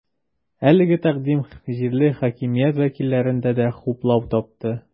Әлеге тәкъдим җирле хакимият вәкилләрендә дә хуплау тапты.